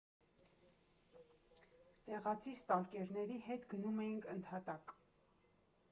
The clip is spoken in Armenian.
Տեղացի ստալկերների հետ գնում ենք ընդհատակ։